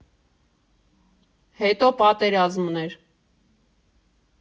Հետո պատերազմն էր։